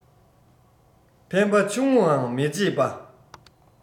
ཕན པ ཆུང ངུའང མི བརྗེད པ